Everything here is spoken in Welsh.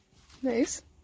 Neis.